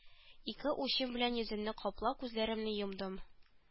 Ике учым белән йөземне каплап күзләремне йомдым